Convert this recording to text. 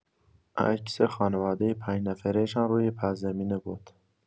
عکس خانوادۀ پنج‌نفره‌شان روی پس‌زمینه بود.